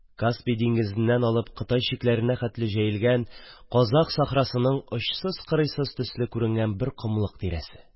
Каспий диңгезеннән алып Кытай чикләренә хәтле җәелгән казакъ сахрасының очсыз-кырыйсыз төсле күренгән бер комлык тирәсе